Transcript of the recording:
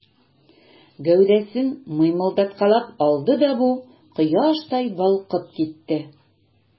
Гәүдәсен мыймылдаткалап алды да бу, кояштай балкып китте.